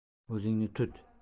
o'zingni tut